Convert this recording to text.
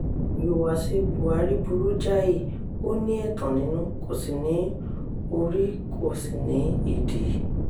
Ìhùwàsíi Buhari burú jáyì, ó ní ẹ̀tàn nínú, kò sì ní orí kò sì ní ìdí.